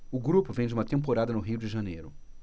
o grupo vem de uma temporada no rio de janeiro